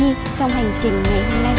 trong hành trình ngày hôm nay